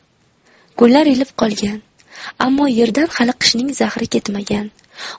kunlar ilib qolgan ammo yerdan hali qishning zahri ketmagan